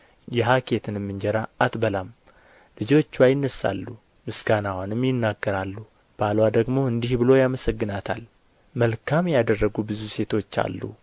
የሀኬትንም እንጀራ አትበላም ልጆችዋ ይነሣሉ ምስጋናዋንም ይናገራሉ ባልዋ ደግሞ እንዲህ ብሎ ያመሰግናታል መልካም ያደረጉ ብዙ ሴቶች አሉ